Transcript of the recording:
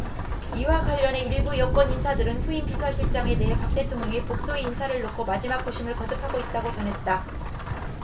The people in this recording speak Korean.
이와 관련해 일부 여권인사들은 후임 비서실장에 대해 박 대통령이 복수의 인사를 놓고 마지막 고심을 거듭하고 있다고 전했다